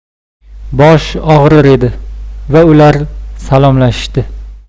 bosh og'rir edi va ular salomlashishdi